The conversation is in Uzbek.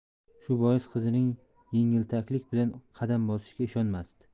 shu bois qizning yengiltaklik bilan qadam bosishiga ishonmasdi